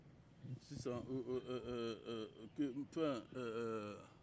sisan eee eee eee fɛn eee eee